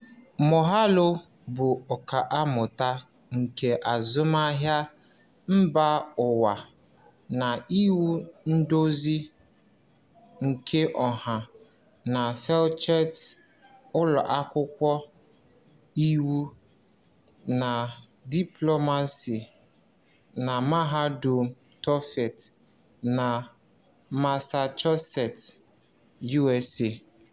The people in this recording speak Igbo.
Moghalu bụ ọkammụta nke azụmahịa mba ụwa na iwu nduzi keọha na Fletcher School of Law and Diplomacy na Tufts University na Massachusetts, USA.